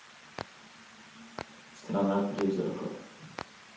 страна призраков